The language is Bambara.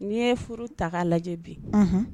N'i ye furu ta ka lajɛ bi